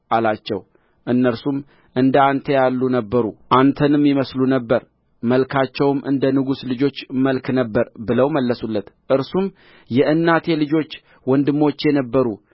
አላቸው እነርሱም እንደ አንተ ያሉ ነበሩ አንተንም ይመስሉ ነበር መልካቸውም እንደ ንጉሥ ልጆች መልክ ነበረ ብለው መለሱለት እርሱም የእናቴ ልጆች ወንድሞቼ ነበሩ